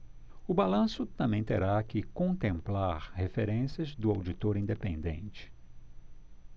o balanço também terá que contemplar referências do auditor independente